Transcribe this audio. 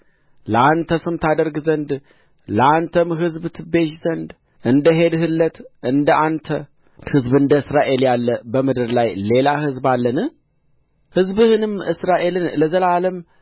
ለአንተ ስም ታደርግ ዘንድ ለአንተም ሕዝብ ትቤዥ ዘንድ እንደሄድህለት እንዳንተ ሕዝብ እንደ እስራኤል ያለ በምድር ላይ ሌላ ሕዝብ አለን ሕዝብህንም እስራኤልን ለዘላለም